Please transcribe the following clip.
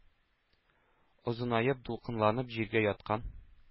Озынаеп, дулкынланып, җиргә яткан.